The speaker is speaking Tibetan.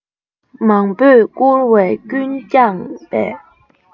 མང པོས བཀུར བས ཀུན བསྐྱངས པས